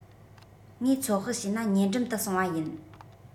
ངས ཚོད དཔག བྱས ན ཉེ འགྲམ དུ སྲུང བ ཡིན